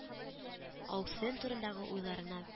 Аукцион турындагы уйларына